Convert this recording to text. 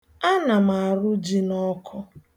A nam arụ ji n'ọkụ